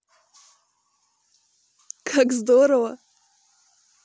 как здорово